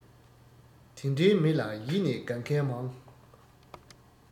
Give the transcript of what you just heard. དེ འདྲའི མི ལ ཡིད ནས དགའ མཁན མང